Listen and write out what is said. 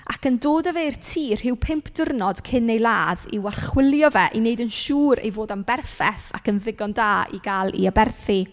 Ac yn dod a fe i'r tŷ rhyw pump diwrnod cyn ei ladd i'w achwilio fe i wneud yn siŵr ei fod e'n berffaith ac yn ddigon da i gael ei aberthu.